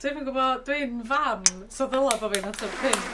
Dwi'm yn gwbo dwi'n fam so ddyla bo' fin atab pump...